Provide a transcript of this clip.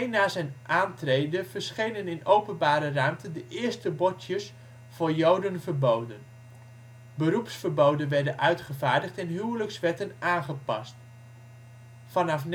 na zijn aantreden verschenen in openbare ruimten de eerste bordjes ' Voor Joden verboden '. Beroepsverboden werden uitgevaardigd en huwelijkswetten aangepast. Vanaf